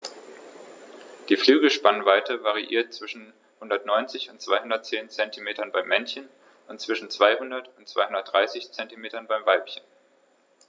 Die Flügelspannweite variiert zwischen 190 und 210 cm beim Männchen und zwischen 200 und 230 cm beim Weibchen.